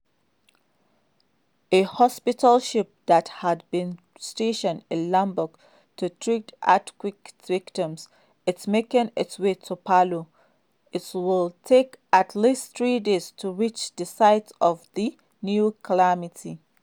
A hospital ship that had been stationed in Lombok to treat earthquake victims is making its way to Palu, but it will take at least three days to reach the site of the new calamity.